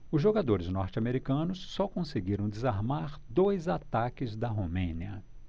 os jogadores norte-americanos só conseguiram desarmar dois ataques da romênia